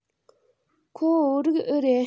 ཁོ བོད རིགས འེ རེད